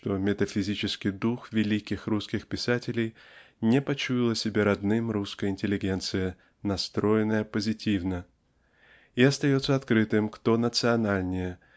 что метафизический дух великих русских писателей и не почуяла себе родным русская интеллигенция настроенная позитивно. И остается открытым кто национальнее